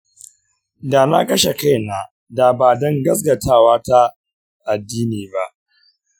da na kashe kaina da ba don gaskatawata ta addini ba.